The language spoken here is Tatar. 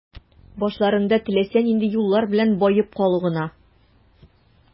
Башларында теләсә нинди юллар белән баеп калу гына.